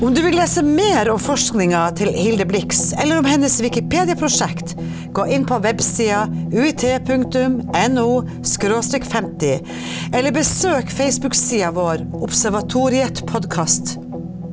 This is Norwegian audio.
om du vil lese meir om forskinga til Hilde Blix, eller om hennar wikipediaprosjekt, gå inn på websida UiT punktum N O skråstrek femti, eller besøk Facebook-sida vår observatoriet podkast!